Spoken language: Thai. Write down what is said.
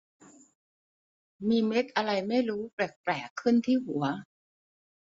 มีเม็ดอะไรไม่รู้แปลกแปลกขึ้นที่หัว